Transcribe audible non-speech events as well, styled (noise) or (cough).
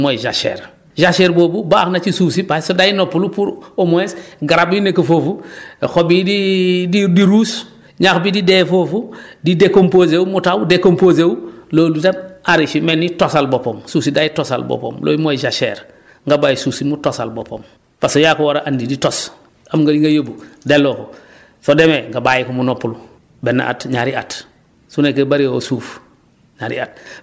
mooy jachère jachère boobu baax na ci suuf si parce que day noppalu pour au moins garab yi nekk foofu (breath) xob yi di (hesitation) di di ruus ñax bi di dee foofu (breath) di décomposer wu mu taw décomposer wu loolu ja enrichie mel ni tosal boppam suuf si day tosal boppam loolu mooy jachère nga bàyyi suuf si mu tosal boppam parce que yaa ko war a andi di tos am nga li ngay yóbbu delloo ko (breath) soo demee nga bàyyi ko mu noppalu benn at ñaari at su enkkee bëriwoo suuf ñaari at (breath)